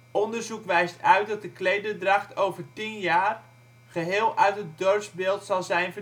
Onderzoek wijst uit dat de klederdracht over 10 jaar geheel uit het dorpsbeeld zal zijn verdwenen